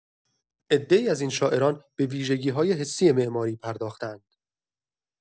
عده‌ای از این شاعران به ویژگی‌های حسی معماری پرداخته‌اند.